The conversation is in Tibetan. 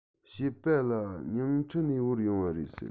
བཤད པ ལ ཉིང ཁྲི ནས དབོར ཡོང བ རེད ཟེར